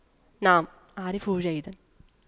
نعم اعرفه جيدا